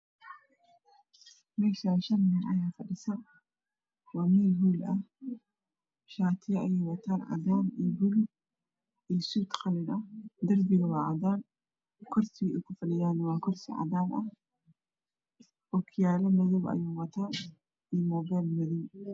Meshaan shan nin ayaa fadhiso waa meel hoola ah shaatiyo ayey wataan cadaana h iyo suud baluug ah darpiga waa cadan kursiga ey ku fadhiyaana kursi cadaana h okiyaalo madow ah ayuu wataa iyo moopeel madow ah